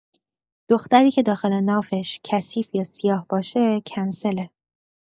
دختری که داخل نافش کثیف یا سیاه باشه کنسله